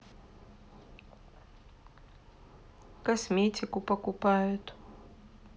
косметику покупают